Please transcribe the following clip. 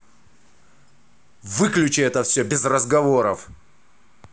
выключи это все без разговоров